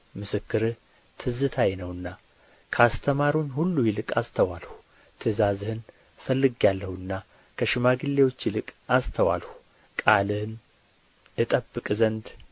ምስክርህ ትዝታዬ ነውና ካስተማሩኝ ሁሉ ይልቅ አስተዋልሁ ትእዛዝህን ፈልጌአለሁና ከሽማግሌዎች ይልቅ አስተዋልሁ ቃልህን እጠብቅ ዘንድ